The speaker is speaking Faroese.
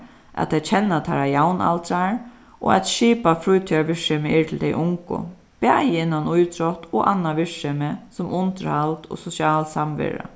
at tey kenna teirra javnaldrar og eitt skipað frítíðarvirksemi er til tey ungu bæði innan ítrótt og annað virksemi sum undirhald og sosial samvera